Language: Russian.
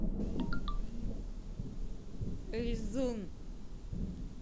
лизун